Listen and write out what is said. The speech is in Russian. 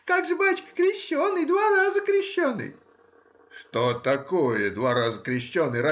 — Как же, бачка, крещеный, два раза крещеный. — Что такое? два раза крещеный?